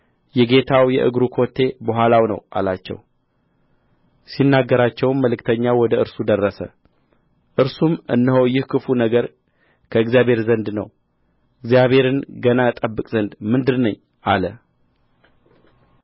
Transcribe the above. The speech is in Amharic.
የጌታው የእግሩ ኮቴ በኋላው ነው አላቸው ሲናገራቸውም መልእክተኛው ወደ እርሱ ደረሰ እርሱም እነሆ ይህ ክፉ ነገር ከእግዚአብሔር ዘንድ ነው እግዚአብሔርን ገና እጠብቅ ዘንድ ምንድር ነኝ አለ